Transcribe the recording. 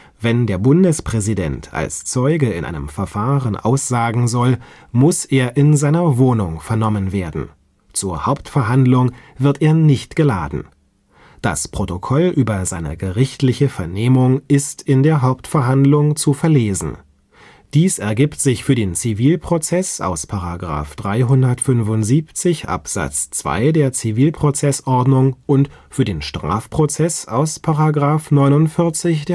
Wenn der Bundespräsident als Zeuge in einem Verfahren aussagen soll, muss er in seiner Wohnung vernommen werden. Zur Hauptverhandlung wird er nicht geladen. Das Protokoll über seine gerichtliche Vernehmung ist in der Hauptverhandlung zu verlesen. Dies ergibt sich für den Zivilprozess aus § 375 Abs. 2 ZPO und für den Strafprozess aus § 49